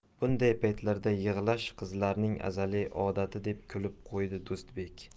bunday paytlarda yig'lash qizlarning azaliy odati deb kulib qo'ydi do'stbek